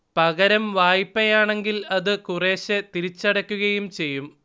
പകരം വായ്പയാണെങ്കിൽ അത് കുറേശേ തിരിച്ചടയ്ക്കുകയും ചെയ്യും